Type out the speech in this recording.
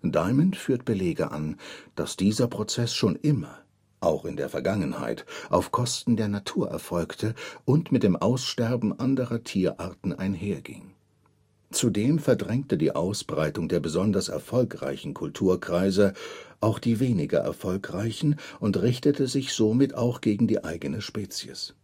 Diamond führt Belege an, dass dieser Prozess schon immer – auch in der Vergangenheit – auf Kosten der Natur erfolgte und mit dem Aussterben anderer Tierarten einherging. Zudem verdrängte die Ausbreitung der besonders erfolgreichen Kulturkreise auch die weniger erfolgreichen und richtete sich somit auch gegen die eigene Spezies